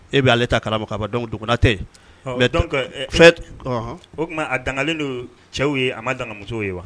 E bɛ ale ta kara k'ba dɔn dugunatɛ fɛ o tuma a dangalen don cɛw ye a ma dangamuso ye wa